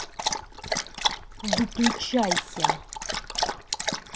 выключайся